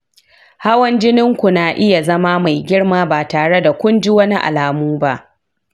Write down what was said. hawan jinin ku na iya zama mai girma ba tare da kun ji wani alamun ba.